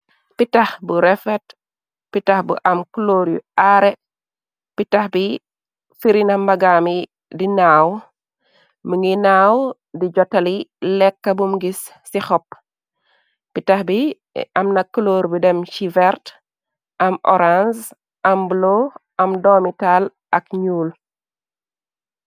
Pitah bu refet, pitah bu am cloor yu aare. Pitah bi firina mbagaam yi di naaw, mu ngi naaw di jotali lekka bum gis ci hopp. Pitah bi am na cloor bu dem chi vert, am orance, am bulo, am doomital ak ñuul.